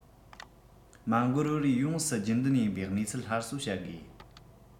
མ འགོར བར ཡོངས སུ རྒྱུན ལྡན ཡིན པའི གནས ཚུལ སླར གསོ བྱ དགོས